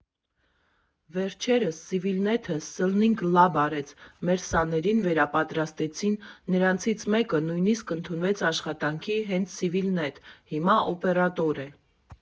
Վերջերս Սիվիլնեթը լըրնինգ լաբ արեց, մեր սաներին վերապատրաստեցին, նրանցից մեկը նույնիսկ ընդունվեց աշխատանքի հենց Սիվիլնեթ, հիմա օպերատոր է։